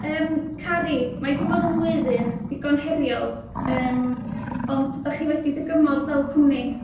Yym Carrie, mae 'di bod yn flwyddyn digon heriol yym, ond ydych chi wedi dygymod fel cwmni?